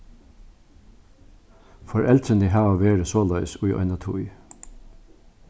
foreldrini hava verið soleiðis í eina tíð